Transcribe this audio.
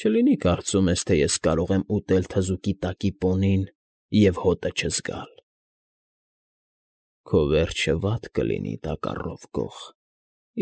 Չլինի՞ կարծում ես, թե ես կարող եմ ուտել թզուկի տակի պոնին և հոտը չզգալ… Քո վերջը վատ կլինի, Տակառով գող,